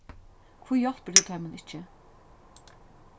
hví hjálpir tú teimum ikki